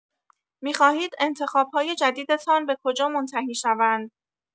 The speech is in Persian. می‌خواهید انتخاب‌های جدیدتان به کجا منتهی شوند؟